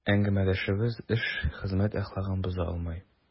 Әңгәмәдәшебез эш, хезмәт әхлагын боза алмый.